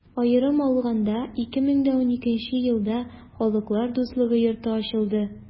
Аерым алаганда, 2012 нче елда Халыклар дуслыгы йорты ачылды.